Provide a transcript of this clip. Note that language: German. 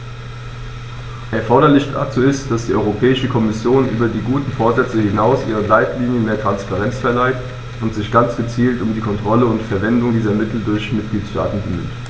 Erforderlich dazu ist, dass die Europäische Kommission über die guten Vorsätze hinaus ihren Leitlinien mehr Transparenz verleiht und sich ganz gezielt um die Kontrolle der Verwendung dieser Mittel durch die Mitgliedstaaten bemüht.